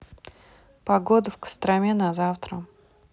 погода в костроме на завтра